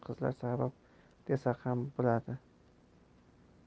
qizlar sabab desa ham bo'ladi